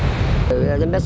lớn lao